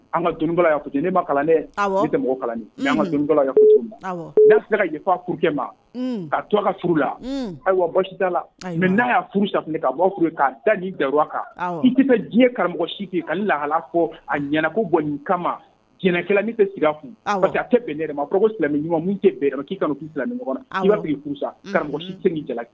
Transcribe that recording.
An ka jɛnɛ ne ma kalanle tɛ se ka yafafakɛ ma ka to ka furu la ayiwada la mɛ n'a ya furu sa ka bɔ'a da dawa kan i tɛ diɲɛ karamɔgɔ siki ka lahala fɔ a ɲ ko bɔ nin kama jɛnɛkɛla tɛ sigi pa tɛ bɛnmami ɲuman min tɛ' ka' ɲɔgɔn sa karamɔgɔ jala